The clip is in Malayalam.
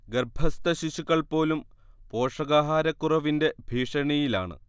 ഗർഭസ്ഥ ശിശുക്കൾ പോലും പോഷകാഹാരക്കുറവിന്റെ ഭീഷണിയിലാണ്